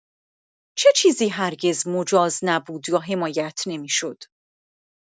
چه چیزی هرگز مجاز نبود یا حمایت نمی‌شد؟